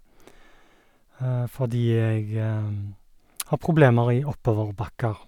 Fordi jeg har problemer i oppoverbakker.